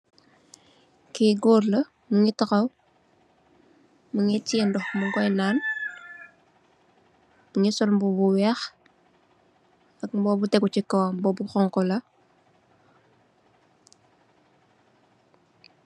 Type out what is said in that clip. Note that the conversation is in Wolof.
Ki goor la mongi taxaw mongi tiyex ndox mung koi naan mungi sol mbubu bu weex ak mbubu bu tegu si kawam mbubu bu xonxa la.